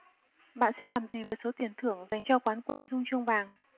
bạn sẽ làm gì với số tiền thưởng dành cho quán quân rung chuông vàng